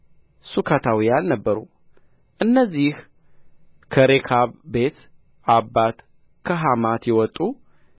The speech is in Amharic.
ሡካታውያን ነበሩ እነዚህ ከሬካብ ቤት አባት ከሐማት የወጡ